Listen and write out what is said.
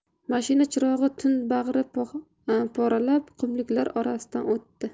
mashina chirog'i tun bag'ri poralab qumliklar orasidan o'tdi